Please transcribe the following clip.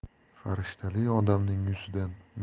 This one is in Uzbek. farishtali odamning yuzidan